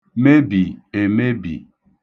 mebì (èmebì)